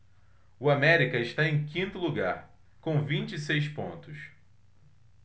o américa está em quinto lugar com vinte e seis pontos